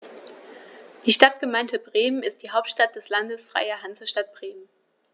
Die Stadtgemeinde Bremen ist die Hauptstadt des Landes Freie Hansestadt Bremen.